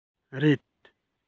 རེད